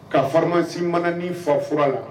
Ka faramasi mana ni faf fura la